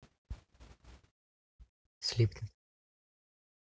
slipknot